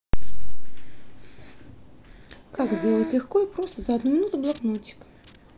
как сделать легко и просто за одну минуту блокнотик